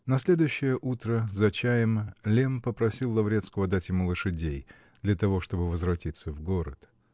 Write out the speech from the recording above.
На следующее утро, за чаем, Лемм попросил Лаврецкого дать ему лошадей для того, чтобы возвратиться в город.